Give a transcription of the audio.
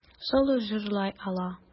Соло җырлый ала.